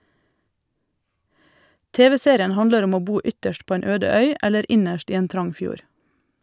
TV-serien handler om å bo ytterst på en øde øy eller innerst i en trang fjord.